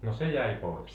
no se jäi pois